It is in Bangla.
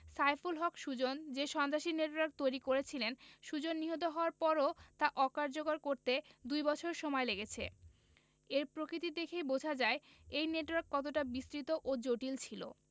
সাইফুল হক সুজন যে সন্ত্রাসী নেটওয়ার্ক তৈরি করেছিলেন সুজন নিহত হওয়ার পরও তা অকার্যকর করতে দুই বছর সময় লেগেছে এর প্রকৃতি দেখেই বোঝা যায় এই নেটওয়ার্ক কতটা বিস্তৃত ও জটিল ছিল